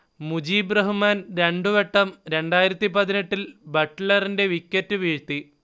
മുജീബ് റഹ്മാൻ രണ്ട് വട്ടം രണ്ടായിരത്തിപ്പതിനെട്ടില്‍‍ ബട്ട്ലറിന്റെ വിക്കറ്റ് വീഴ്ത്തി